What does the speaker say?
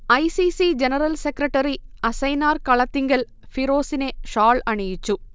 I. C. C general secretary Asainar Kalathingal ഫിറോസിനെ ഷാൾ അണിയിച്ചു